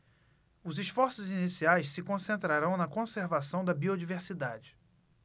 os esforços iniciais se concentrarão na conservação da biodiversidade